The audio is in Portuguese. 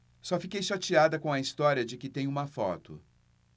só fiquei chateada com a história de que tem uma foto